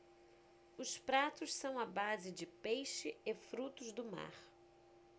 os pratos são à base de peixe e frutos do mar